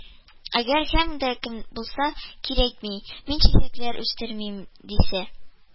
Әгәр кем дә булса, кирәкми, мин чәчәкләр үстермим, дисә,